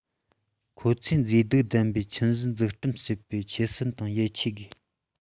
ཁོ ཚོས མཛེས སྡུག ལྡན པའི ཁྱིམ གཞིས འཛུགས སྐྲུན བྱེད པའི ཆོད སེམས དང ཡིད ཆེས དགོས